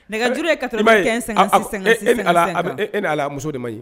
Nɛgɛjuru ye 95 56 56 e ni Ala a muso de maɲi